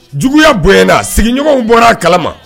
Juguyaya bonyna a sigiɲɔgɔnw bɔra a kalama